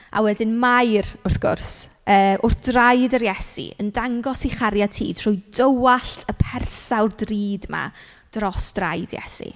A wedyn Mair wrth gwrs yy wrth draed yr Iesu yn dangos ei chariad hi trwy dywallt y persawr drud yma dros draed Iesu.